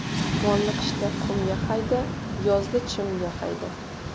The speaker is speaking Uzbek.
molni qishda qumga hayda yozda chimga hayda